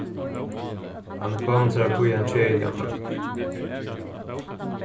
hann er komin sær upp í ein keðiligan bólk